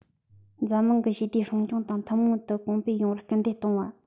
འཛམ གླིང གི ཞི བདེ སྲུང སྐྱོང དང ཐུན མོང དུ གོང འཕེལ ཡོང བར སྐུལ འདེད གཏོང བ